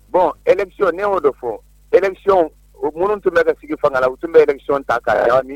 Bɔn emi ni y'o de fɔ emi u minnu tun bɛ ka sigi fanga la u tun bɛ emi nisɔn ta k'a'